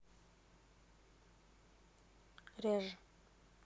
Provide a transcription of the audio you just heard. реж